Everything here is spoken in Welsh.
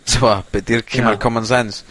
T'mo' be' 'di'r cima common sense?